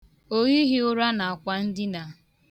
O highị ụra n'akwandina.